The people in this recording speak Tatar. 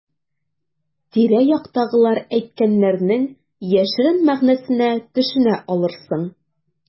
Тирә-яктагылар әйткәннәрнең яшерен мәгънәсенә төшенә алырсың.